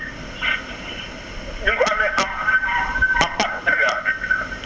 ñu ngi ko amee * ak partenariat